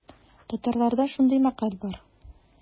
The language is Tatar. Татарларда шундый мәкаль бар.